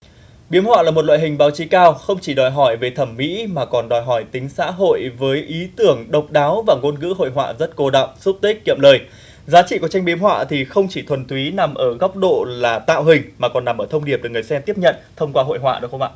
biếm họa là một loại hình báo chí cao không chỉ đòi hỏi về thẩm mỹ mà còn đòi hỏi tính xã hội với ý tưởng độc đáo và ngôn ngữ hội họa rất cô đọng súc tích kiệm lời giá trị của tranh biếm họa thì không chỉ thuần túy nằm ở góc độ là tạo hình mà còn nằm ở thông điệp tới người xem tiếp nhận thông qua hội họa đúng không ạ